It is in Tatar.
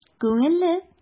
Күңелле!